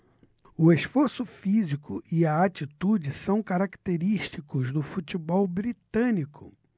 o esforço físico e a atitude são característicos do futebol britânico